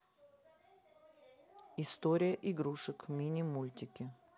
история игрушек мини мультики